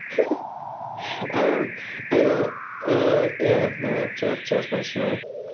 Yym eniwe yy ia dyna fo Charles Bronson yn fan'na.